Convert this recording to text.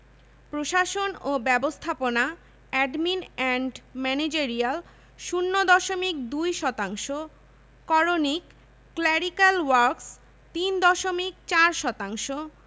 কর্মসংস্থান ও পেশাঃ শ্রমশক্তি জরিপ ২০০২ ০৩ অনুযায়ী মোট কর্মরত জনসংখ্যার কারিগরি পেশায় নিয়োজিত টেকনিকাল প্রফেশনাল ৩ দশমিক ৮ শতাংশ